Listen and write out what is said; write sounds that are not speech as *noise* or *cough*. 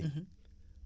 *hesitation* *hesitation*